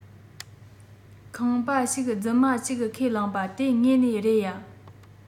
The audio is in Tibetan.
ཁང པ ཞིག རྫུན མ གཅིག ཁས བླངས པ དེ དངོས གནས རེད ཡ